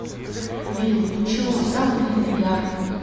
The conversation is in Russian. will ничего самый длинный ярд